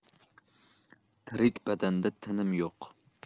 tirik bandada tinim yo'q